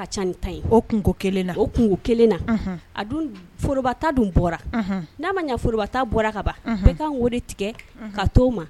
Kelen forobata dun bɔra n'a ma foroorobata bɔra ka ban bɛ ka weele tigɛ ka t' ma